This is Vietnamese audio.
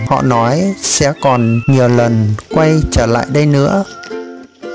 họ nói sẽ còn nhiều lần quay trở lại đây nữa